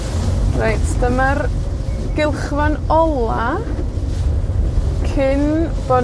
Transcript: Reit, dyma'r gylchfan ola cyn bo'